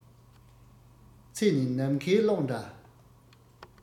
ཚེ ནི ནམ མཁའི གློག འདྲ